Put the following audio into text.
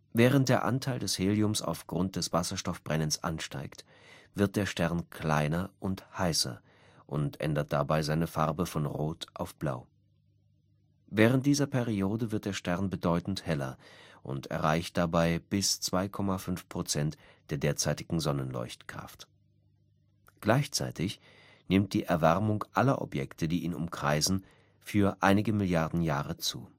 Während der Anteil des Heliums aufgrund des Wasserstoffbrennens ansteigt, wird der Stern kleiner und heißer und ändert dabei seine Farbe von rot auf blau. Während dieser Periode wird der Stern bedeutend heller und erreicht dabei bis 2,5 % der derzeitigen Sonnenleuchtkraft. Gleichzeitig nimmt die Erwärmung aller Objekte, die ihn umkreisen, für einige Milliarden Jahre zu